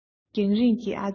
རྒྱང རིང གི ཨ ཇོ